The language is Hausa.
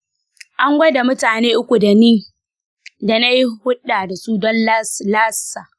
an gwada mutane uku da na yi hulɗa da su don lassa.